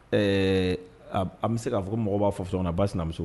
Ɛɛ an bɛ se k'a fɔ mɔgɔ b'a fɔ sosɔn kɔnɔ a baa sinamuso